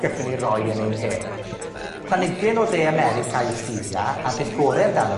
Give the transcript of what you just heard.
gallwn ni roi yn ein te. Planhigyn o dde America yw Stevia, a'r peth gore amdano